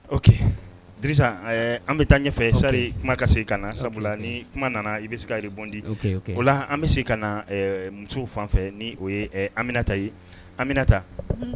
Ɔsa an bɛ taa ɲɛfɛ sari kuma ka se ka sabula ni kuma nana i bɛ se ka yɛrɛbbondi ola an bɛ se ka na musow fan fɛ ni o ye anmina ta ye anmina taa